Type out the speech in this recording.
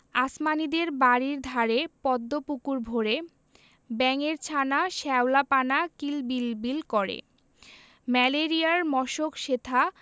আসমানীদের বাড়ির ধারে পদ্ম পুকুর ভরে ব্যাঙের ছানা শ্যাওলা পানা কিল বিল বিল করে ম্যালেরিয়ার মশক সেথা